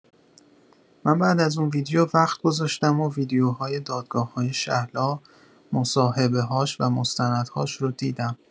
من‌بعد از اون ویدیو وقت گذاشتم و ویدیوهای دادگاه‌های شهلا، مصاحبه‌هاش و مستندهاش رو دیدم.